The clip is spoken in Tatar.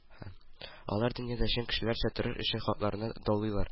Алар дөньяда чын кешеләрчә торыр өчен хакларын даулыйлар